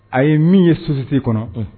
A ye min ye susi kɔnɔ